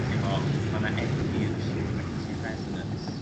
ti'mo m- ma' 'na egni yn y sŵn ma' gen ti resonance.